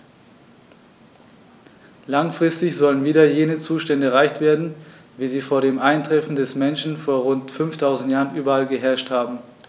Langfristig sollen wieder jene Zustände erreicht werden, wie sie vor dem Eintreffen des Menschen vor rund 5000 Jahren überall geherrscht haben.